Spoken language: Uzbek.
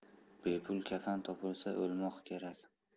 bepul kafan topilsa o'lmoq kerak